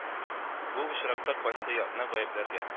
Бу очракта кайсы якны гаепләргә